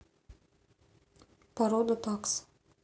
порода таксы